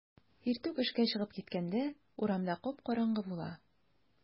Иртүк эшкә чыгып киткәндә урамда кап-караңгы була.